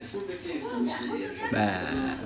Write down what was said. тимофей белорусских